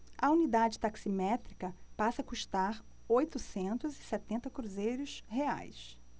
a unidade taximétrica passa a custar oitocentos e setenta cruzeiros reais